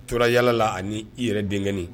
Tora yalala ani i yɛrɛ deni